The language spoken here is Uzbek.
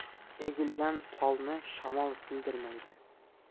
egilgan tolni shamol sindirmaydi